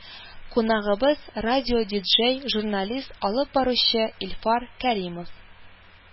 Кунагыбыз – радио ди-джей, журналист, алып баручы Илфар Кәримов